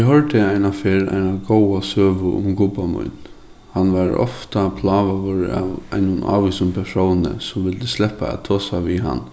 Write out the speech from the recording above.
eg hoyrdi eina ferð eina góða søgu um gubba mín hann var ofta plágaður av einum ávísum persóni sum vildi sleppa at tosa við hann